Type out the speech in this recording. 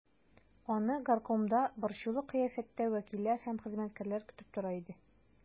Аны горкомда борчулы кыяфәттә вәкилләр һәм хезмәткәрләр көтеп тора иде.